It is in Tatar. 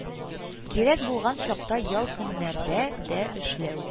Кирәк булган чакта ял көннәрдә дә эшләү»